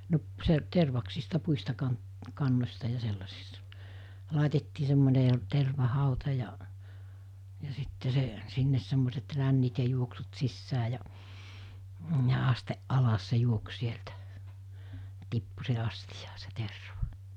no se tervaksista puista - kannoista ja sellaisista laitettiin semmoinen tervahauta ja ja sitten se sinne semmoiset rännit ja juoksut sisään ja ja asti alas se juoksi sieltä tippui siihen astiaan se terva